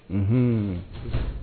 Un